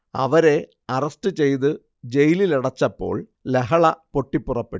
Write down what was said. അവരെ അറസ്റ്റ് ചെയ്ത് ജയിലിലടച്ചപ്പോൾ ലഹള പൊട്ടിപ്പുറപ്പെട്ടു